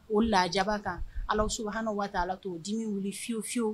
O lajaba kan Allahou Soubhana wa ta Alaa t'o dimi wili fiyewu fiyewu